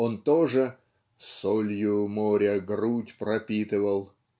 он тоже "солью моря грудь пропитывал"